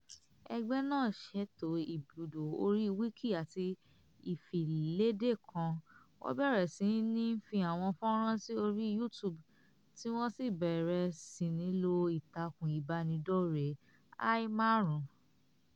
Ẹgbẹ́ náà ṣètò ibùdó orí Wiki àti ìfiléde kan, wọ́n bẹ̀rẹ̀ sí ní fi àwọn fọ́nràn sí orí YouTube, tí wọ́n sì bẹ̀rẹ̀ sí ní lo ìtakùn ìbánidọ́rẹ̀ẹ́ Hi-5.